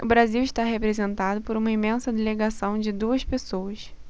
o brasil está representado por uma imensa delegação de duas pessoas